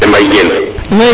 DJ Mbaye Diene